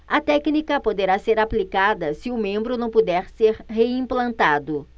a técnica poderá ser aplicada se o membro não puder ser reimplantado